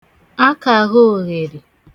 akàghoghèrì